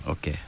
ok